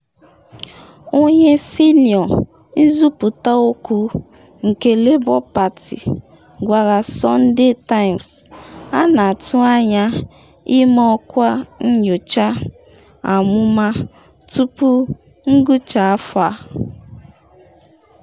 Onye senịọ nzuputa okwu nke Labour Party gwara Sunday Times: ‘A na-atu anya ịma ọkwa nyocha amụma tupu ngwucha afọ a.